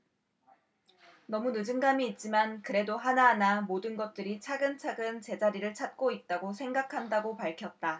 너무 늦은감이 있지만 그래도 하나하나 모든 것들이 차근차근 제자리를 찾고 있다고 생각한다고 밝혔다